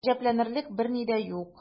Гаҗәпләнерлек берни дә юк.